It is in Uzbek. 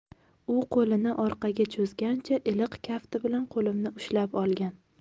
u qo'lini orqaga cho'zgancha iliq kafti bilan qo'limni ushlab olgan